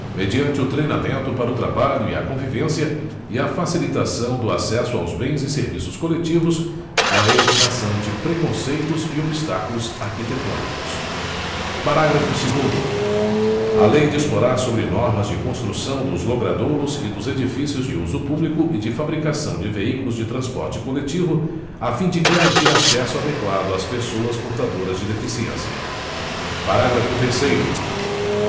mediante o treinamento para o trabalho e a convivência e a facilitação do acesso aos bens e serviços coletivos com a eliminação de preconceitos e obstáculos arquitetônicos parágrafo segundo a lei disporá sobre normas de construção dos logradouros e dos edifícios de uso público e de fabricação de veículos de transporte coletivo a fim de garantir acesso adequado às pessoas portadoras de deficiência parágrafo terceiro